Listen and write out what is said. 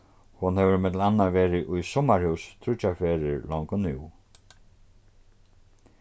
hon hevur millum annað verið í summarhús tríggjar ferðir longu nú